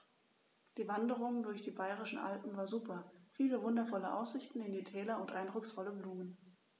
Die Wanderungen durch die Bayerischen Alpen waren super. Viele wundervolle Aussichten in die Täler und eindrucksvolle Blumen.